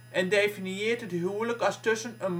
en definieert het huwelijk als tussen